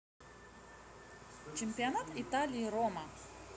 чемпионат италии рома